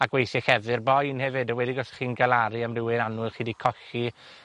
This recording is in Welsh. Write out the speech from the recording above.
Ag weithie lleddfu'r boen hefyd, enwedig os 'ych chi'n galaru am rywun annwyl chi 'di colli.